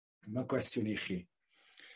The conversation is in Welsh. Dyma gwestiwn i chi.